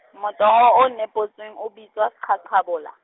motoho o nepotsweng o bitswa seqhaqhabola.